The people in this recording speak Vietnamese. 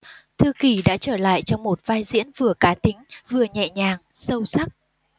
thư kỳ đã trở lại trong một vai diễn vừa cá tính vừa nhẹ nhàng sâu sắc